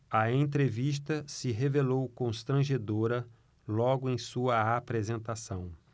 a entrevista se revelou constrangedora logo em sua apresentação